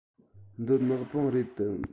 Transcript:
འདི ནག པང རེད དམ